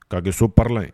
K'a kɛ so parilan ye.